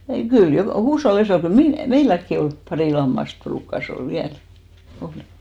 ei kyllä joka huushollissa kun - meilläkin oli pari lammasta ruukasi olla vielä oli